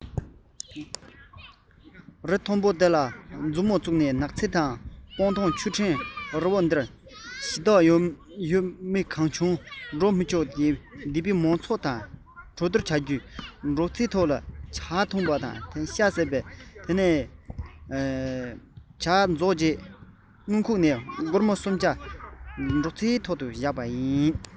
རི བོ མཐོན པོ དེ ལ མཛུབ མོ བཙུགས ནགས ཚལ དང སྤང ཐང ཆུ ཕྲན རི བོ འདིར གཞི བདག ཡོད མི གང བྱུང འགྲོ མི ཆོག སྡེ བའི མང ཚོགས དང གྲོས བསྡུར བྱ དགོས སྒྲོག ཙེའི ཐོག བཞག པའི ཇ དམ ཤིང ཕོར དུ ཇ བླུགས པ ཤུགས ཀྱིས ཁམ གང བཏུངས སོང ཤིང ཕོར ས ལ བཞག དུས ཇ རྫོགས འདུག དངུལ ཁུག ནས སྒོར མོ གསུམ བརྒྱ བླངས སྒྲོག ཙེའི ཐོག ཏུ བཞག པ ཡིན